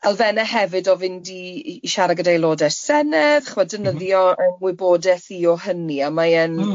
Elfene hefyd o fynd i i i siarad gyda aelodau Senedd chibod, defnyddio ymwybodaeth i o hynny a mae e'n... Hmm.